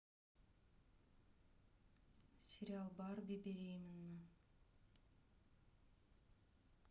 сериал барби беременна